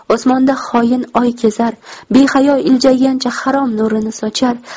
osmonda xoin oy kezar behayo iljaygancha harom nurini sochar